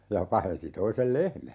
ja pahensi toisen lehmän